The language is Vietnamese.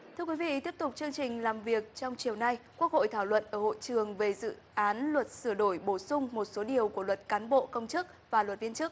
thưa quý vị tiếp tục chương trình làm việc trong chiều nay quốc hội thảo luận ở hội trường về dự án luật sửa đổi bổ sung một số điều của luật cán bộ công chức và luật viên chức